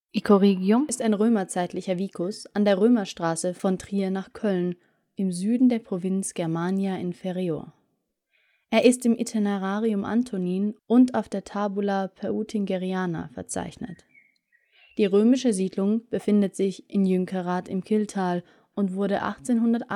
Icorigium ist ein römerzeitlicher vicus an der Römerstraße von Trier nach Köln im Süden der Provinz Germania Inferior. Er ist im Itinerarium Antonini und auf der Tabula Peutingeriana verzeichnet. Die römische Siedlung befindet sich in Jünkerath im Kylltal und wurde 1886